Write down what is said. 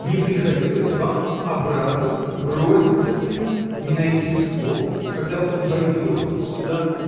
— Не приходилось вам обрадоваться, броситься к нему, не найти слов, когда он войдет вот сюда?.